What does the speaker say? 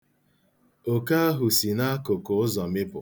Oke ahụ si n'akụkụ ụzọ mịpụ.